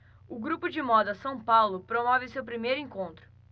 o grupo de moda são paulo promove o seu primeiro encontro